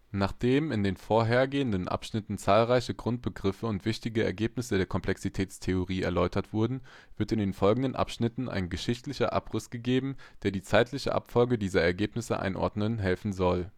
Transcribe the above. Nachdem in den vorhergehenden Abschnitten zahlreiche Grundbegriffe und wichtige Ergebnisse der Komplexitätstheorie erläutert wurden, wird in den folgenden Abschnitten ein geschichtlicher Abriss gegeben, der die zeitliche Abfolge dieser Ergebnisse einordnen helfen soll